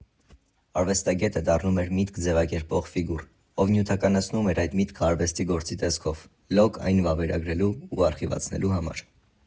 Արվեստագետը դառնում էր «միտք» ձևակերպող ֆիգուր, ով նյութականացնում էր այդ միտքը արվեստի գործի տեսքով լոկ այն վավերագրելու ու արխիվացնելու համար։